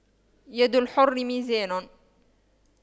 يد الحر ميزان